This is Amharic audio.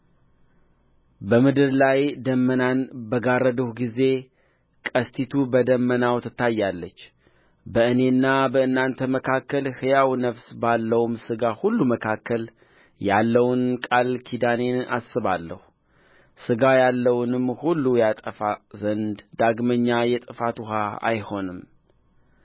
በምድር ላይ ደመናን በጋረድሁ ጊዜ ቀስቲቱ በደመናው ትታያለች በእኔና በእናንተ መካከል ሕያው ነፍስ ባለውም ሥጋ ሁሉ መካከል ያለውን ቃል ኪዳኔን አስባለሁ ሥጋ ያለውንም ሁሉ ያጠፋ ዘንድ ዳግመኛ የጥፋት ውኃ አይሆንም